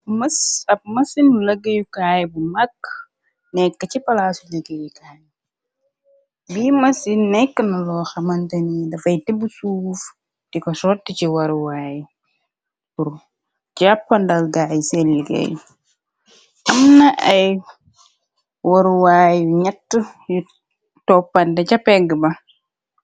Mës ab mësin u lëggayukaay bu magg nekk ci palaasu leggeyukaay bi mësi nekk na loo xamandani dafay te bu suuf di ko sott ci waruwaay bur jàppandalga ay sel liggéey am na ay waruwaay yu ñatt yu toppante ja pegg ba.